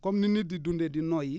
comme ni nit di dundee di noyyi